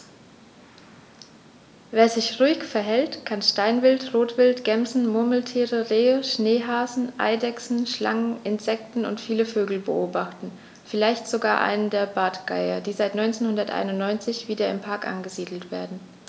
Wer sich ruhig verhält, kann Steinwild, Rotwild, Gämsen, Murmeltiere, Rehe, Schneehasen, Eidechsen, Schlangen, Insekten und viele Vögel beobachten, vielleicht sogar einen der Bartgeier, die seit 1991 wieder im Park angesiedelt werden.